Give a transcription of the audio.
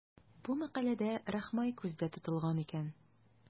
Бу мәкаләдә Рахмай күздә тотылган икән.